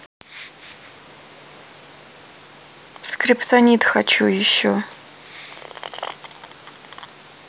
скриптонит хочу еще